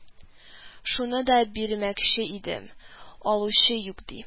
– шуны да бирмәкче идем, алучы юк, – ди